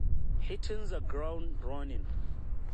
Hitting the ground running